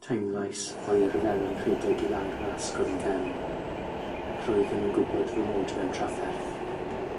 Teimlais oerfedd yn rhedeg i lawr fy asgwrn cefn ac roeddwn yn gwybod fy mod mewn trafferth.